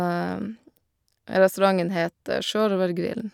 Restauranten het Sjørøvergrillen.